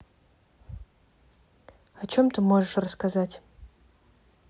о чем ты можешь рассказать